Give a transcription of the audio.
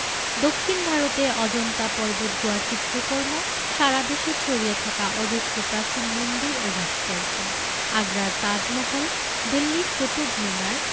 দক্ষিন ভারতে অজন্তা পর্বতগুহার চিত্রকর্ম সারা দেশে ছড়িয়ে থাকা অজস্র প্রাচীন মন্দির ও ভাস্কর্য আগ্রার তাজমহল দিল্লির কুতুব মিনার